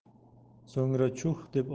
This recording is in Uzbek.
so'ngra chuh deb